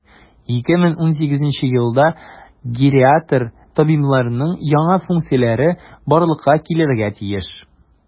2018 елда гериатр табибларның яңа функцияләре барлыкка килергә тиеш.